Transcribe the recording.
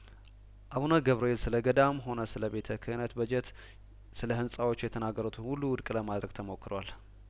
አቡነ ገብርኤል ስለገዳሙም ሆነ ስለቤተ ክህነት በጀት ስለህንጻዎቿ የተናገሩትን ሁሉ ውድቅ ለማድረግም ተሞክሯል